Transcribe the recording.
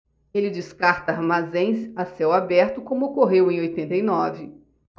ele descarta armazéns a céu aberto como ocorreu em oitenta e nove